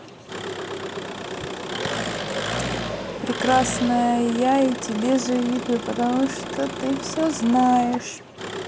прекрасная и я тебе завидую потому что ты все знаешь